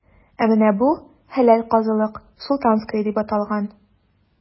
Ә менә бу – хәләл казылык,“Султанская” дип аталган.